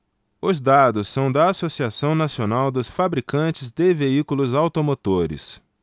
os dados são da anfavea associação nacional dos fabricantes de veículos automotores